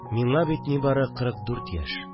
Миңа бит нибары кырык дүрт яшь